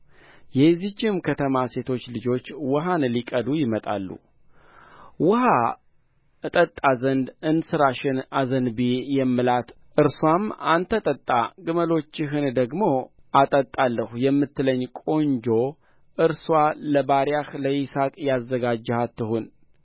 የዚህችም ከተማ ሴቶች ልጆች ውኃውን ሊቀዱ ይመጣሉ ውኃ እጠጣ ዘንድ እንስራሽን አዘንብዪ የምላት እርስዋም አንተ ጠጣ ግመሎችህን ደግሞ አጠጣለሁ የምትለኝ ቆንጆ እርስዋ ለባሪያህ ለይስሐቅ ያዘጋጀሃት ትሁን